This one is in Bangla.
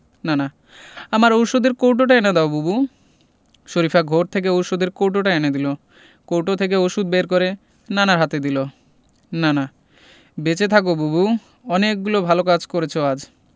নানা আমার ঔষধের কৌটোটা এনে দাও বুবু শরিফা ঘর থেকে ঔষধের কৌটোটা এনে দিল কৌটো থেকে ঔষধ বের করে নানার হাতে দিল নানা বেঁচে থাকো বুবু অনেকগুলো ভালো কাজ করেছ আজ